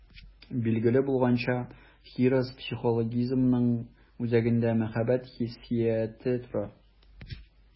Билгеле булганча, хирыс психологизмының үзәгендә мәхәббәт хиссияте тора.